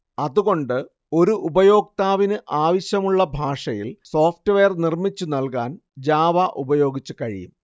അതുകൊണ്ട് ഒരു ഉപയോക്താവിനാവശ്യമുള്ള ഭാഷയിൽ സോഫ്റ്റ്വെയർ നിർമ്മിച്ചു നൽകാൻ ജാവ ഉപയോഗിച്ചു കഴിയും